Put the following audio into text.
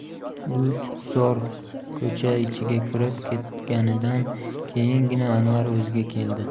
u tutzor ko'cha ichiga kirib ketganidan keyingina anvar o'ziga keldi